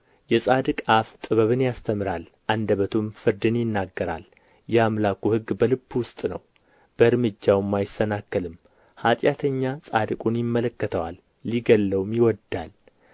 የጻድቅ አፍ ጥበብን ያስተምራል አንደበቱም ፍርድን ይናገራል የአምላኩ ሕግ በልቡ ውስጥ ነው በእርምጃውም አይሰናከልም ኃጢአተኛ ጻድቁን ይመለከተዋል ሊገድለውም ይወድዳል